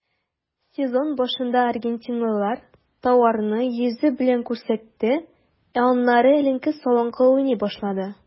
Сезон башында аргентинлылар тауарны йөзе белән күрсәтте, ә аннары эленке-салынкы уйный башлады.